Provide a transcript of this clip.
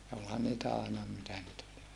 ja olihan niitä aina mitä niitä oli